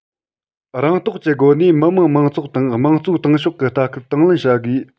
རང རྟོགས ཀྱི སྒོ ནས མི དམངས མང ཚོགས དང དམངས གཙོའི ཏང ཤོག གི ལྟ སྐུལ དང ལེན བྱ དགོས པ